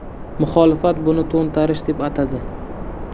muxolifat buni to'ntarish deb atadi